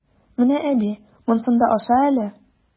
Менә, әби, монсын да аша әле!